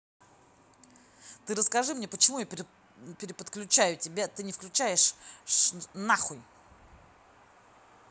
ты расскажи мне почему я переподключаю тебя ты не включаешь нахуй